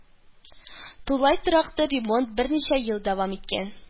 Тулай торакта ремонт берничә ел дәвам иткән